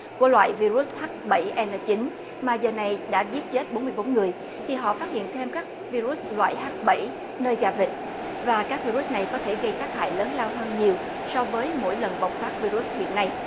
của loại vi rút hát bảy en nờ chín mà giờ này đã giết chết bốn mươi bốn người thì họ phát hiện thêm các vi rút loại hát bảy nơi gà vịt và các vi rút này có thể gây tác hại lớn lao hơn nhiều so với mỗi lần bộc phát vi rút hiện nay